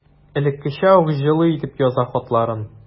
Элеккечә үк җылы итеп яза хатларын.